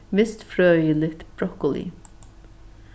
vistfrøðiligt brokkoli